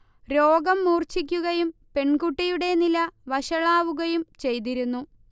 രോഗം മൂർഛിക്കുകയും പെൺകുട്ടിയുടെ നില വഷളാവുകയും ചെയ്തിരുന്നു